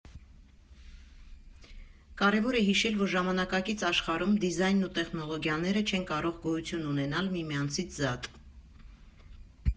Կարևոր է հիշել, որ ժամանակակից աշխարհում դիզայնն ու տեխնոլոգիաները չեն կարող գոյություն ունենալ միմյանցից զատ։